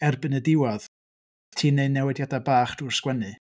Erbyn y diwedd ti'n neud newidiadau bach trwy'r sgwennu.